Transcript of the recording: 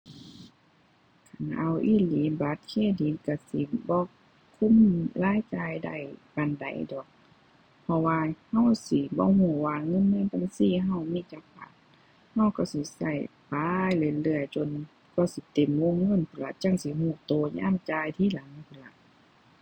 คันเอาอีหลีบัตรเครดิตก็สิบ่คุมรายจ่ายได้ปานใดดอก เพราะว่าก็สิบ่ก็ว่าเงินในบัญชีก็มีจักบาท ก็ก็สิก็ไปเรื่อยเรื่อยจนกว่าสิเต็มวงเงินพู้นล่ะ จั่งสิก็ก็ยามจ่ายทีหลังพู้นล่ะ